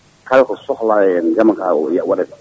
kala ko sohla e ndeema ka waɗete